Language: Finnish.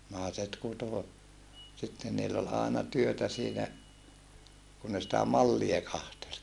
naiset kutoi sitten niillä oli aina työtä siinä kun ne sitä mallia katseli